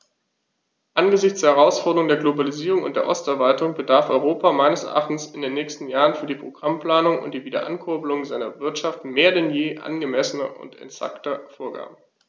Angesichts der Herausforderung der Globalisierung und der Osterweiterung bedarf Europa meines Erachtens in den nächsten Jahren für die Programmplanung und die Wiederankurbelung seiner Wirtschaft mehr denn je angemessener und exakter Vorgaben.